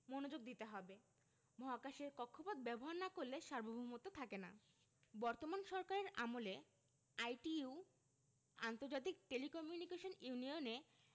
মনোযোগ দিতে হবে মহাকাশের কক্ষপথ ব্যবহার না করলে সার্বভৌমত্ব থাকে না বর্তমান সরকারের আমলে আইটিইউ আন্তর্জাতিক টেলিকমিউনিকেশন ইউনিয়ন এ